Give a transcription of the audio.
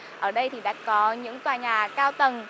ở đây thì đã có những tòa nhà cao tầng